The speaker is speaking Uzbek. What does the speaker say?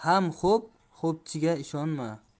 ham xo'p xo'pchiga ishonma